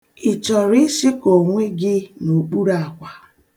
Ị chọrọ ịshịkọ onwe gị n'okpuru akwa?